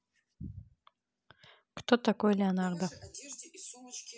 кто такой леонардо